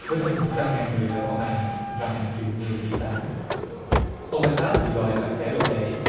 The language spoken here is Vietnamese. với hơn một trăm ngàn người đã bỏ mạng và hàng triệu người di tản ông a sát bị gọi là kẻ đồ tể